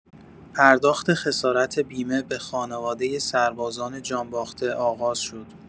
پرداخت خسارت بیمه به خانواده سربازان جان‌باخته آغاز شد.